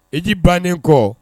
I' bannen kɔ